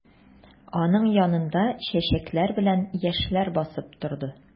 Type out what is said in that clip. Аның янында чәчәкләр белән яшьләр басып торды.